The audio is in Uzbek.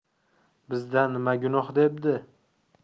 bizda nima gunoh debdi